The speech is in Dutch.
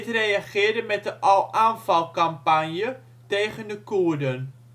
reageerde met de al-Anfal-campagne tegen de Koerden